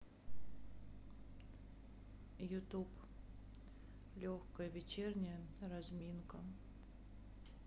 ютуб легкая вечерняя разминка